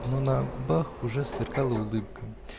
Но на губах уже сверкала улыбка.